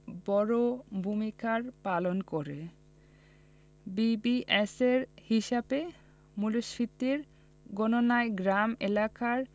বড় ভূমিকা পালন করে বিবিএসের হিসাবে মূল্যস্ফীতি গণনায় গ্রাম এলাকায়